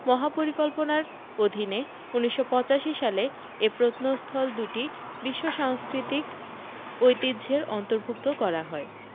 মহাপরিকল্পনার অধীনে ১৯৮৫ সালে এ প্রত্নস্থল দুটি বিশ্ব সাংস্কৃতিক ঐতিহ্যের অন্তর্ভুক্ত করা হয়